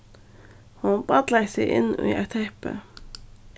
hon ballaði seg inn í eitt teppi